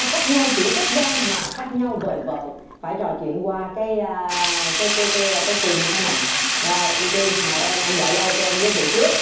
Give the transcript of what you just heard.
cách nhau chỉ tấc gang mà cách nhau vời vợi phải trò chuyện qua cái cái cái cái trái tim như thế này rồi ưu tiên mời em em đợi lâu cho em giới thiệu trước